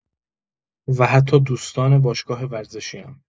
و حتی دوستان باشگاه ورزشی‌ام